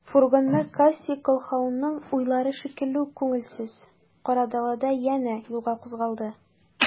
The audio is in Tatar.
Фургоннар Кассий Колһаунның уйлары шикелле үк күңелсез, кара далада янә юлга кузгалды.